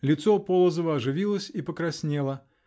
Лицо Полозова оживилось и покраснело